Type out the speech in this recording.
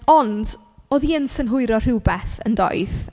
Ond oedd hi'n synhwyro rhywbeth yn doedd.